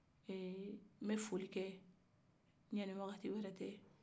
eee n bɛ foli kɛ sanni wagati wɛrɛ cɛ